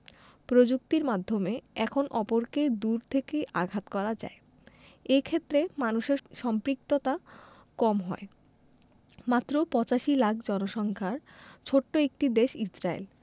প্রযুক্তির মাধ্যমে এখন অপরকে দূর থেকেই আঘাত করা যায় এ ক্ষেত্রে মানুষের সম্পৃক্ততাও কম হয় মাত্র ৮৫ লাখ জনসংখ্যার ছোট্ট একটি দেশ ইসরায়েল